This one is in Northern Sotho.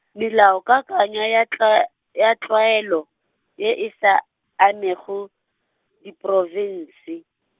melaokakanywa ya tlae-, ya tlwaelo, ye e sa, amego, diprofense.